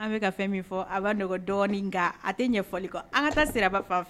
An bɛka ka fɛn min fɔ a bɛ dɔgɔ kan a tɛ ɲɛfɔli kɔ an ka taa siraba fan fɛ